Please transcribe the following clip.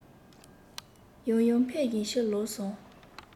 ཡང ཡང འཕེན བཞིན ཕྱིར ལོག སོང